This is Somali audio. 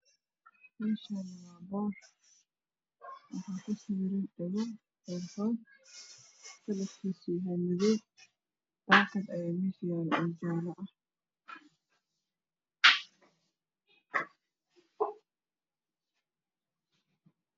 Meshaani waa boor waxaa kor saran dhago erfon kalarkiisu yahay madow bakad ayaa mesh yaalo oo jaalo ah